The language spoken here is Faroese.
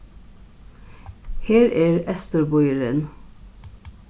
her er eysturbýurin